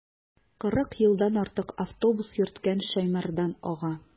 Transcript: Кырык елдан артык автобус йөрткән Шәймәрдан ага.